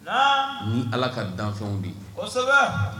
Ni ala ka danfɛn bi